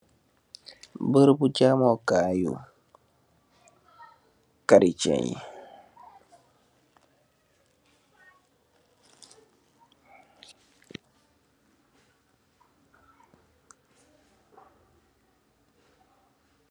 Barabu jaamoo kaayu, karichee yi.